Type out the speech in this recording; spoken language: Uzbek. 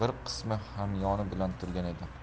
bir qismi hamyoni bilan turgan edi